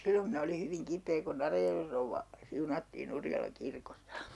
silloin minä oli hyvin kipeä kun Arajärven rouva siunattiin Urjalan kirkossa